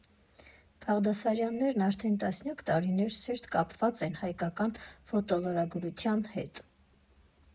Բաղդասարյաններն արդեն տասնյակ տարիներ սերտ կապված են հայկական ֆոտոլրագրության հետ։